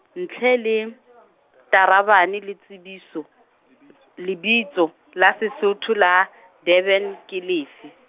ntle le, Tarabane le tsebiso , lebitso la Sesotho la Durban ke lefe?